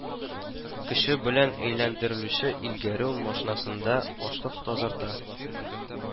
Көче белән әйләндерелүче илгәрү машинасында ашлык тазарта